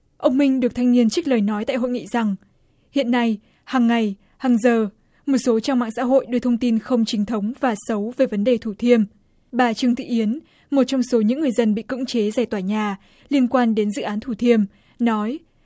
ông minh được thanh niên trích lời nói tại hội nghị rằng hiện nay hằng ngày hằng giờ một số trang mạng xã hội đưa thông tin không chính thống và xấu về vấn đề thủ thiêm bà trương thị yến một trong số những người dân bị cưỡng chế giải tỏa nhà liên quan đến dự án thủ thiêm nói